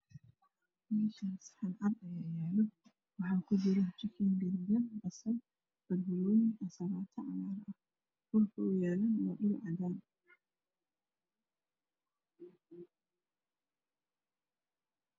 Meeshaan saxan cad ayaa yaalo waxaa ku jiro jikin pizza basal banbanooni ansallato dhulka uu yaalana waa cadaan